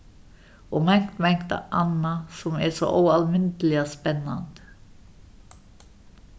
og mangt mangt annað sum er so óalmindiliga spennandi